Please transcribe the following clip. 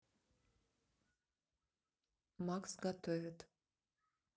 макс готовит